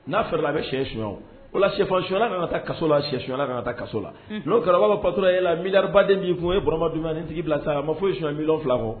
N'a fɛla bɛyɛnyɔn o sɛfa syɔnya kan taa ka la sɛyɔnya ka taa ka la n'o kabarababa patotura e la mibaden min kun ye bɔraba jumɛn ni tigi bila sa a ma fɔ i ye sɔn miɔn fila kɔ